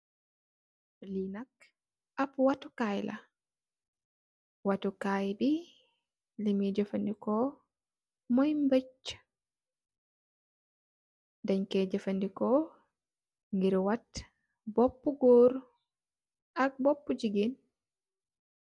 Lii amb wottou kaye la nyungko jeffedekou way purr wot mboppou gorr ak mboppou jegueen